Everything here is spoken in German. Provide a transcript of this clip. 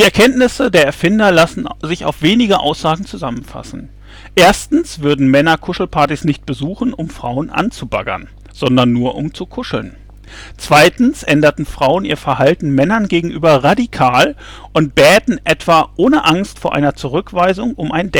Erkenntnisse der Erfinder lassen sich auf wenige Aussagen zusammenfassen: Erstens würden Männer Kuschelpartys nicht besuchen, um Frauen " anzubaggern ", sondern nur zum Kuscheln. Zweitens änderten Frauen ihr Verhalten Männern gegenüber radikal, und bäten etwa ohne Angst vor einer Zurückweisung um ein